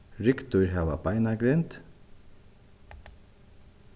ryggdýr hava beinagrind